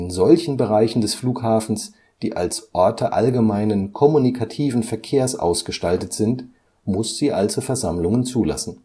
solchen Bereichen des Flughafens, die als Orte allgemeinen kommunikativen Verkehrs ausgestaltet sind, muss sie also Versammlungen zulassen